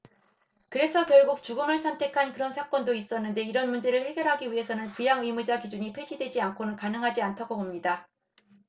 그래서 결국 죽음을 선택한 그런 사건도 있었는데 이런 문제를 해결하기 위해서는 부양의무자 기준이 폐지되지 않고는 가능하지 않다고 봅니다